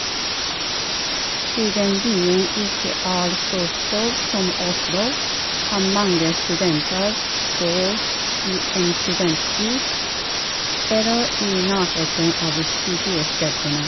Siden byen ikke er så stor som Oslo, kan mange studenter bo i en studentby eller i nærheten av studiestedene.